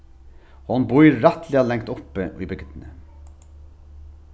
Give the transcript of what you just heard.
hon býr rættiliga langt uppi í bygdini